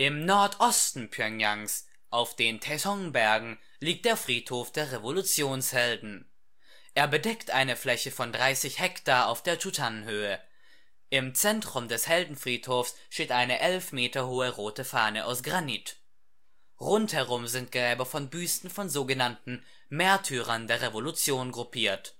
Nordosten Pjöngjangs, auf den Taesongbergen, liegt der Friedhof der Revolutionshelden. Er bedeckt eine Fläche von 30 ha auf der Jujan-Höhe. Im Zentrum des Heldenfriedhofs steht eine 11 m hohe rote Fahne aus Granit. Rundherum sind Gräber mit Büsten von sogenannten " Märtyrern der Revolution " gruppiert